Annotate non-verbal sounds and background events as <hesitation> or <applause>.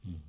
<hesitation> <hesitation>